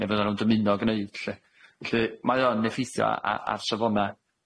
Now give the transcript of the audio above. ne' fyddan nw'n dymuno gneud lly. Felly mae o'n effeithio a- a- ar safona